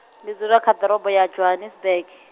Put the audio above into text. ndi dzula kha ḓorobo ya Johannesburg.